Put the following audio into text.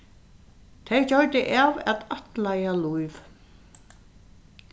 tey gjørdu av at ættleiða lív